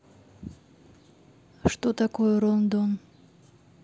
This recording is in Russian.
что такое рон дон